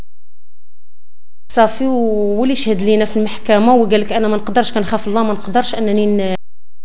سافيولا يشهد لنا في المحكمه وقلت لك انا ما اقدرش نخاف الله منقدرش انني